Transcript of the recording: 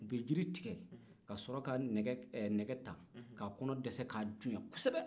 u bɛ jiri tigɛ ka sɔrɔ ka nɛgɛ ta ka kɔnɔ saani ka kɔnɔ duya kɔsɛbɛ